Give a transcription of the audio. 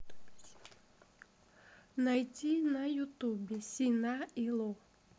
найди на ютубе сина и ло